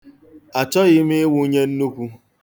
Achọghị m ịwụnye nnukwu.